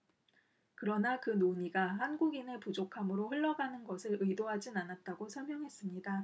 그러나 그 논의가 한국인의 부족함으로 흘러가는 것을 의도하진 않았다고 설명했습니다